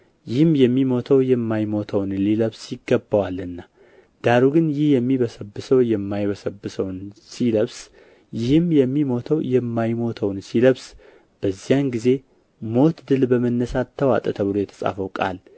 ይህም የሚሞተው የማይሞተውን ሊለብስ ይገባዋልና ዳሩ ግን ይህ የሚበሰብሰው የማይበሰብሰውን ሲለብስ ይህም የሚሞተው የማይሞተውን ሲለብስ በዚያን ጊዜ ሞት ድል በመነሣት ተዋጠ ተብሎ የተጻፈው ቃል